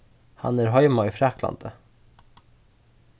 hann er heima í fraklandi